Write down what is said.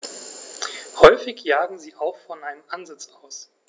Häufig jagen sie auch von einem Ansitz aus.